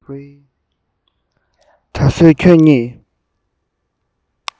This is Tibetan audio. ད བཟོད ཁྱོད ཉིད